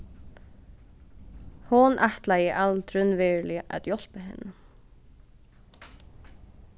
hon ætlaði aldrin veruliga at hjálpa henni